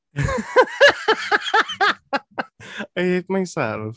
I hate myself.